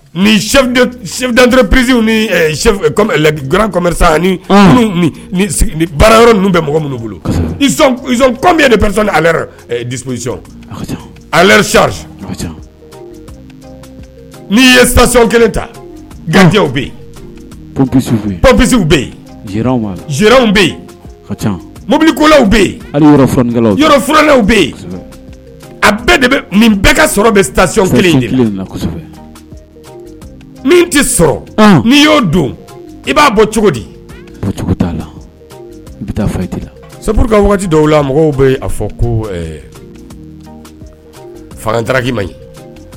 Ni dantur prisiw nim sa ani bara yɔrɔ ninnu bɛ mɔgɔ minnu bolom pere niri ni'i ye saɔn kelen ta gatew bɛ yen psiw bɛ yen zow bɛ yen mobili kolalaw bɛ yen yɔrɔforolalaw bɛ yen a bɛɛ de bɛɛ ka sɔrɔ bɛ sa kelen min tɛ sɔrɔ n'i y'o don i b'a bɔ cogo di t' la bɛ taa la sabuuruka waati dɔw la mɔgɔw bɛ a fɔ ko fangataki ma ɲi